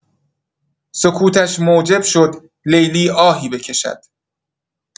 سکوتش موجب شد لیلی آهی بکشد.